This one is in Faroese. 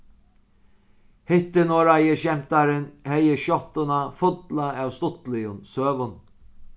hittinorðaði skemtarin hevði skjáttuna fulla av stuttligum søgum